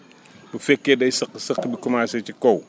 bu fekee day saq saq bi commencé ci kaw